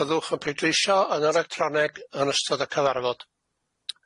Byddwch yn pleidleisio yn yr electroneg yn ystod y cyfarfod.